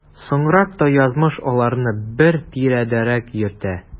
Соңрак та язмыш аларны бер тирәдәрәк йөртә.